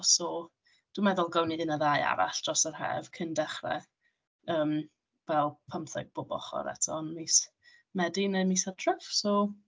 So dwi'n meddwl gawn ni un neu ddau arall dros yr haf cyn dechrau yym fel pumtheg bob ochr eto yn mis Medi neu mis Hydref. So...